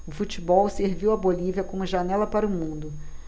o futebol serviu à bolívia como janela para o mundo